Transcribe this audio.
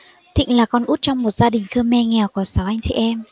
thịnh là con út trong một gia đình khmer nghèo có sáu anh chị em